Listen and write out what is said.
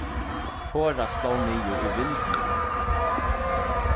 tora sló niður í vindmyllu